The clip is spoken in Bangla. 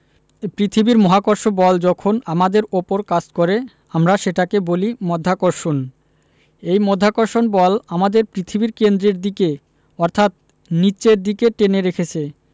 পৃথিবীর মহাকর্ষ বল যখন আমাদের ওপর কাজ করে আমরা সেটাকে বলি মাধ্যাকর্ষণ এই মাধ্যাকর্ষণ বল আমাদের পৃথিবীর কেন্দ্রের দিকে অর্থাৎ নিচের দিকে টেনে রেখেছে